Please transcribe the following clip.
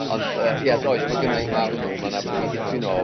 Ond yy ia does, ma' gynna i, ma' hwnnw, ma' 'na ma' dipyn o...